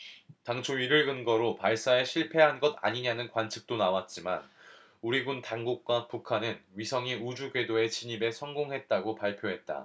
당초 이를 근거로 발사에 실패한 것 아니냐는 관측도 나왔지만 우리 군 당국과 북한은 위성이 우주궤도 진입에 성공했다고 발표했다